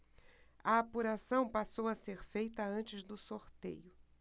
a apuração passou a ser feita antes do sorteio